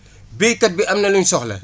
béykat bi am na lu mu soxla